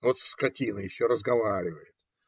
- Вот скотина, еще разговаривает!